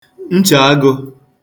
nchèagụ̄